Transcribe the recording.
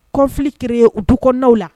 Fi kere u duknaw la